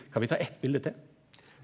kan vi ta eitt bilde til ?